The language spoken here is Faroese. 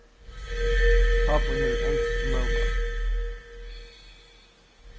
pápi mín hevur enskt sum móðurmál